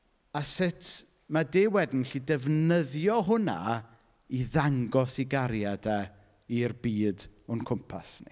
A sut mae Duw wedyn yn gallu defnyddio hwnna i ddangos ei gariad e i'r byd o'n cwmpas ni.